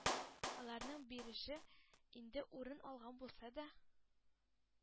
Аларның берише инде урын алган булса да,